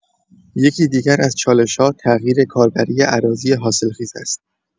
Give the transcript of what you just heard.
یکی دیگر از چالش‌ها، تغییر کاربری اراضی حاصلخیز است.